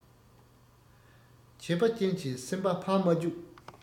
བྱས པ ཅན གྱི སེམས པ ཕམ མ བཅུག